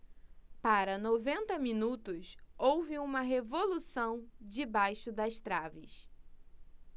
para noventa minutos houve uma revolução debaixo das traves